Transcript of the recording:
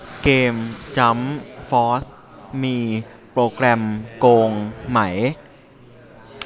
เกมจั๊มฟอสมีโปรแกรมโกงไหม